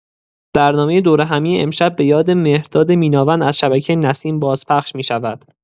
برنامه دورهمی امشب بۀاد مهرداد میناوند از شبکه نسیم بازپخش می‌شود.